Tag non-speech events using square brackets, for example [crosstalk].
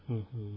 [hesitation] [hesitation]